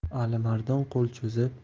alimardon qo'l cho'zib